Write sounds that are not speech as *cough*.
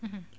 *hesitation* *hesitation*